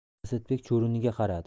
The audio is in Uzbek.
asadbek chuvrindiga qaradi